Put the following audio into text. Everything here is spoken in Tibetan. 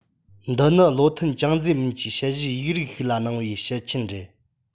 འདི ནི བློ མཐུན ཅང ཙེ རྨིན གྱིས དཔྱད གཞིའི ཡིག རིགས ཤིག ལ གནང བའི དཔྱད མཆན རེད